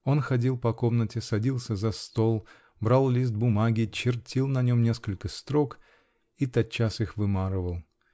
Он ходил по комнате, садился за стол, брал лист бумаги, чертил на нем несколько строк -- и тотчас их вымарывал.